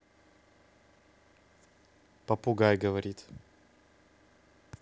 попугай говорит